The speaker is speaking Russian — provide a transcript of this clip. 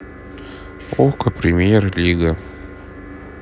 окко премьер лига